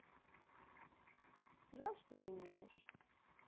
жаль что ты не ешь